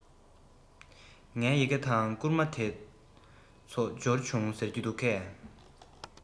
ངའི ཡི གེ དང བསྐུར མ དེ ཚོ འབྱོར བྱུང ཟེར གྱི མི འདུག གས